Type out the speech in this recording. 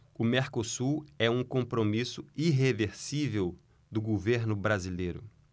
o mercosul é um compromisso irreversível do governo brasileiro